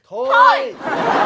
thôi